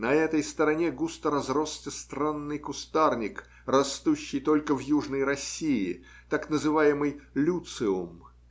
На этой стороне густо разросся странный кустарник, растущий только в южной России, так называемый люциум.